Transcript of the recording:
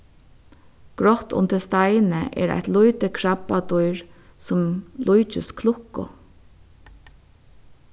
grátt undir steini er eitt lítið krabbadýr sum líkist klukku